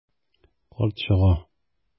Карт чыга.